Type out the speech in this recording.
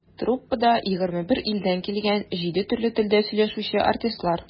Труппада - 21 илдән килгән, җиде төрле телдә сөйләшүче артистлар.